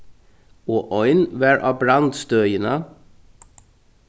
og ein var á brandstøðina